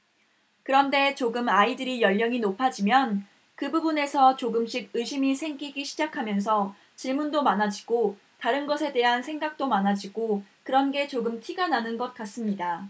그런데 조금 아이들이 연령이 높아지면 그 부분에서 조금씩 의심이 생기기 시작하면서 질문도 많아지고 다른 것에 대한 생각도 많아지고 그런 게 조금 티가 나는 것 같습니다